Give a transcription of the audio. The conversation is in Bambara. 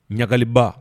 Ɲagaliba